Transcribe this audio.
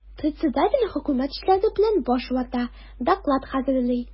Председатель хөкүмәт эшләре белән баш вата, доклад хәзерли.